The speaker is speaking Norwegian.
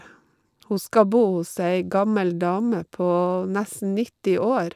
Hun skal bo hos ei gammel dame på nesten nitti år.